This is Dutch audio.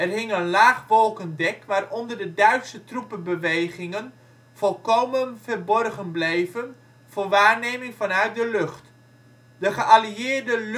hing een laag wolkendek waaronder de Duitse troepenbewegingen volkomen verborgen bleven voor waarneming vanuit de lucht. De geallieerde